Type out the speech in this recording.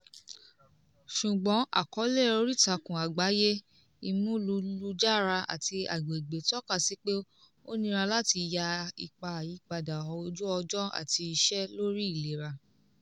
Ṣùgbọ́n àkọọ́lẹ̀ oríìtakùn àgbáyé Ìmúlùúlujára àti Agbègbè tọ́ka sí pé ó nira láti ya ipa àyípadà ojú-ọjọ́ àti ìṣẹ́ lórí ìlera.